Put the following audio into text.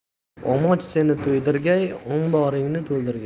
omoch seni to'ydirgay omboringni to'ldirgay